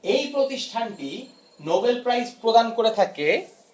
এই প্রতিষ্ঠানটি Nobel prize প্রদান করে থাকে